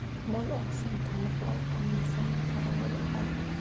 mol olsang tanib ol tanimasang targ'il ol